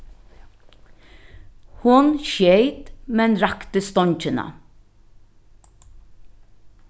hon skeyt men rakti stongina